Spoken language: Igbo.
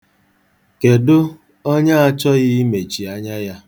Kedụ onye achọghị imechi anya ya.